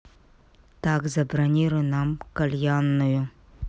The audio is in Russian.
так забронируй нам кальянную